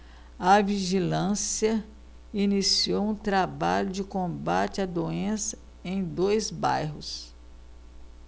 a vigilância iniciou um trabalho de combate à doença em dois bairros